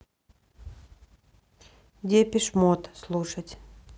депеш мод слушать